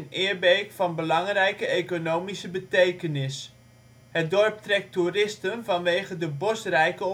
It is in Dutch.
Eerbeek van belangrijke economische betekenis. Het dorp trekt toeristen vanwege de bosrijke